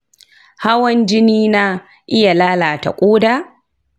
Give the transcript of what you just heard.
hawan jini na iya lalata koda?